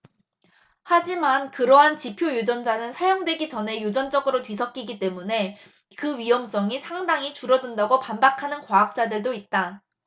하지만 그러한 지표 유전자는 사용되기 전에 유전적으로 뒤섞이기 때문에 그 위험성이 상당히 줄어든다고 반박하는 과학자들도 있다